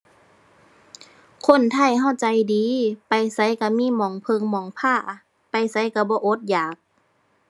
คนไทยเราใจดี ไปไสเรามีหม้องเราหม้องพา ไปไสเราบ่อดยาก